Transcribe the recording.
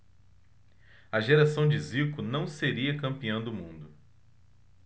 a geração de zico não seria campeã do mundo